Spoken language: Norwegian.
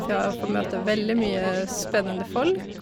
For jeg får møte veldig mye spennende folk.